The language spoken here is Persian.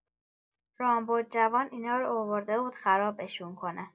رامبد جوان اینارو آورده بود خرابشون کنه.